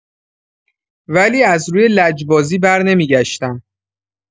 ولی از روی لجبازی برنمی‌گشتم.